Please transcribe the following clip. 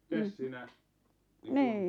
mitäs siinä niin kuin